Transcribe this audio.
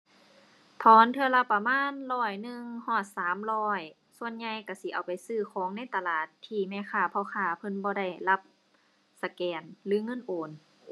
ถอนเทื่อละประมาณร้อยหนึ่งฮอดสามร้อยส่วนใหญ่ก็สิเอาไปซื้อของในตลาด ที่แม่ค้าพ่อค้าเพิ่นบ่ได้รับสแกนหรือเงินโอน